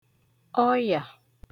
ọyà